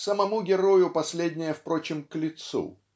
Самому герою последняя, впрочем, к лицу.